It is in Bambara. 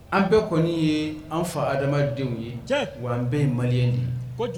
An bɛɛ kɔni ye an fa adamadenw ye ja an bɛɛ ye mali ye de